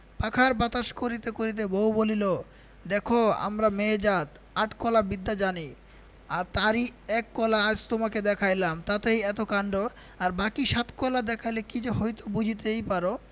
পাখার বাতাস করিতে করিতে বউ বলিল দেখ আমরা মেয়ে জাত আট কলা বিদ্যা জানি তার ই এক কলা আজ তোমাকে দেখাইলাম তাতেই এত কাণ্ড আর বাকী সাত কলা দেখাইলে কি যে হইত বুঝিতেই পার